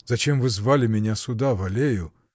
зачем вы звали меня сюда, в аллею?.